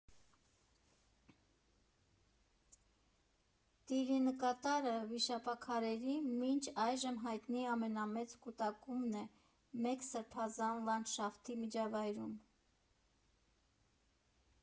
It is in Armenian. Տիրինկատարը վիշապաքարերի մինչ այժմ հայտնի ամենամեծ կուտակումն է մեկ սրբազան լանդշաֆտի միջավայրում։